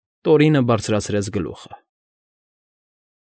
Տորինը բարձրացրեց գլուխը։ ֊